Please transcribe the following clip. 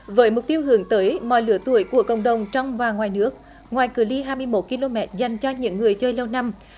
với mục tiêu hướng tới mọi lứa tuổi của cộng đồng trong và ngoài nước ngoài cự ly hai mươi mốt ki lô mét dành cho những người chơi lâu năm